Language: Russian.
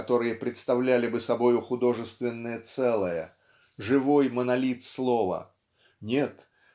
которые представляли бы собою художественное целое живой монолит слова нет